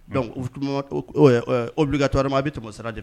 Dɔnkuc tuma o wuli ka toura min a bɛ tɛmɛmɔ sira de